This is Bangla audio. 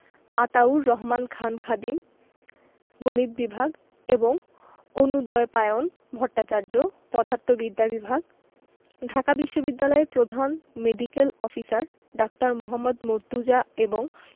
আতাউর রহমান খান খাদিম গণিত বিভাগ এবং অনুদ্বৈপায়ন ভট্টাচার্য পদার্থবিদ্যা বিভাগ ঢাকা বিশ্ববিদ্যালয়ের প্রধান মেডিক্যাল অফিসার ডা. মোহাম্মদ মর্তুজা এবং